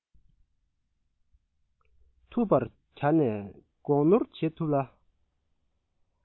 ཐུབ པར གྱུར ནས གོག ནུར བྱེད ཤེས ལ